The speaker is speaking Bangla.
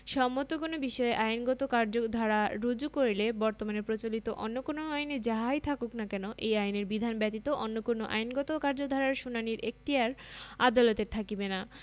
সম্মত কোন বিষয়ে আইনগত কার্যধারা রুজু করিলে বর্তমানে প্রচলিত অন্য কোন আইনে যাহাই থাকুক না কেন এই আইনের বিধান ব্যতীত অন্য কোন আইনগত কার্যধারার শুনানীর এখতিয়ার আদালতের থাকিবে না